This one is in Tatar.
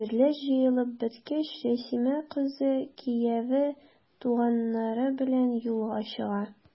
Әйберләр җыелып беткәч, Рәсимә, кызы, кияве, туганнары белән юлга чыга.